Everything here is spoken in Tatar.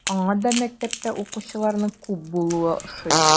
Аңа да мәктәптә укучыларның күп булуы ошый.